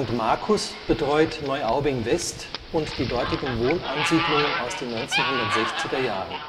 Markus betreut Neuaubing-West und die dortigen Wohnsiedlungen aus den 1960er-Jahren